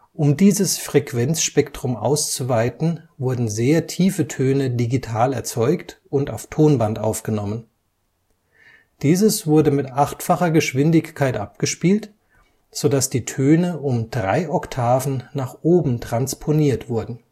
Um dieses Frequenzspektrum auszuweiten wurden sehr tiefe Töne digital erzeugt und auf Tonband aufgenommen. Dieses wurde mit achtfacher Geschwindigkeit abgespielt, so dass die Töne um drei Oktaven nach oben transponiert wurden